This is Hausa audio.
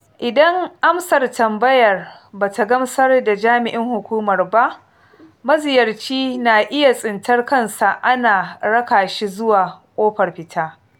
Idan amsar tambayar ba ta gamsar da jami'in hukumar ba, maziyarci na iya tsintar kansa ana raka shi zuwa ƙofar fita.